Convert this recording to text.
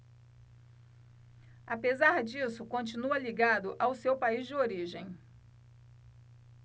apesar disso continua ligado ao seu país de origem